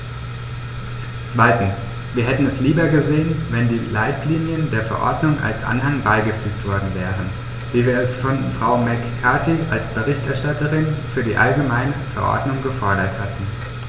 Zweitens: Wir hätten es lieber gesehen, wenn die Leitlinien der Verordnung als Anhang beigefügt worden wären, wie wir es von Frau McCarthy als Berichterstatterin für die allgemeine Verordnung gefordert hatten.